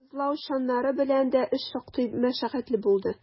Тозлау чаннары белән дә эш шактый мәшәкатьле булды.